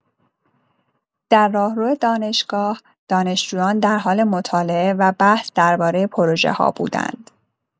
در راهرو دانشگاه، دانشجویان در حال مطالعه و بحث درباره پروژه‌ها بودند.